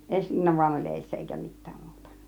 esiliina vain oli edessä eikä mitään muuta